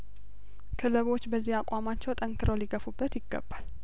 ክለቦች በዚህ አቋማቸው ጠንክረው ሊገፉበት ይገባል